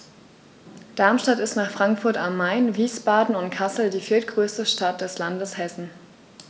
Darmstadt ist nach Frankfurt am Main, Wiesbaden und Kassel die viertgrößte Stadt des Landes Hessen